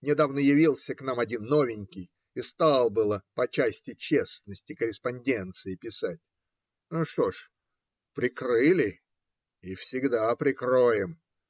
Недавно явился к нам один новенький и стал было по части честности корреспонденции писать. Что ж? Прикрыли. И всегда прикроем.